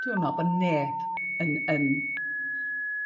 dwi'm yn me'wl bo' neb yn yn